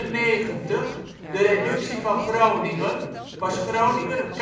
1594, de reductie van Groningen, was Groningen